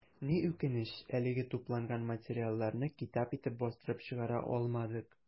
Ни үкенеч, әлегә тупланган материалларны китап итеп бастырып чыгара алмадык.